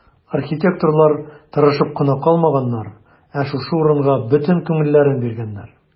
Архитекторлар тырышып кына калмаганнар, ә шушы урынга бөтен күңелләрен биргәннәр.